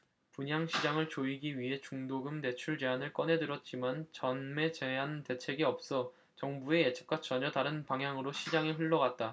분양시장을 조이기 위해 중도금 대출 제한을 꺼내들었지만 전매제한 대책이 없어 정부의 예측과 전혀 다른 방향으로 시장이 흘러갔다